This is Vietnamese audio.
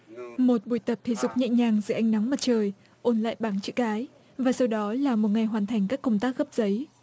một buổi tập thể dục nhẹ nhàng dưới ánh nắng mặt trời ôn lại bảng chữ cái và sau đó là một ngày hoàn thành các công tác cấp giấy